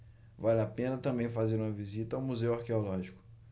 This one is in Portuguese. vale a pena também fazer uma visita ao museu arqueológico